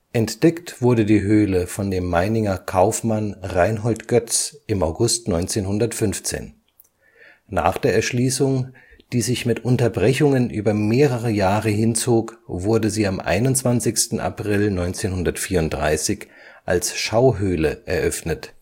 Entdeckt wurde die Höhle von dem Meininger Kaufmann Reinhold Goetz im August 1915. Nach der Erschließung, die sich mit Unterbrechungen über mehrere Jahre hinzog, wurde sie am 21. April 1934 als Schauhöhle eröffnet